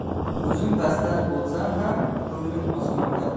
o'zim pasmanda bo'lsam ham ko'nglim osmonda